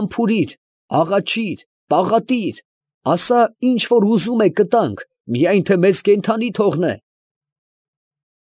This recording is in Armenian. Համբուրի՛ր, աղաչիր, պաղատիր, ասա՛, ինչ որ ուզում է, կտանք, միայն թե մեզ կենդանի թողնե…»։